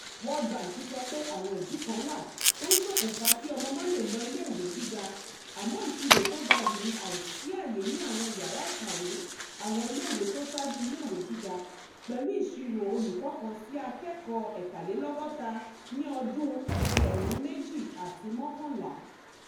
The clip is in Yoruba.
World bank sọ pé, Àwọn ìdí kan wà tó ń ṣokùnfà kí ọmọ mà lè lọ iléèwé gíga àmọ́ ìṣòro tó ga jù ni àìsí ààyè ní àwọn ìyàrá ìkàwé àwọn iléèwé tó ṣáájú iléèwé gíga, pẹ̀lú ìṣirò olùkọ́ 1 sí akẹ́kọ̀ọ́ 63 ní ọdún 2011